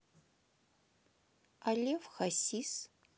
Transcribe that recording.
а лев хасис